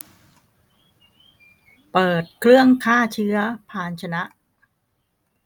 เปิดเครื่องฆ่าเชื้อภาชนะ